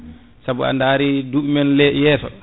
saabu a daari duɓi men yesso